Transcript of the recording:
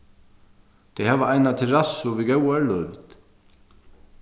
tey hava eina terassu við góðari lívd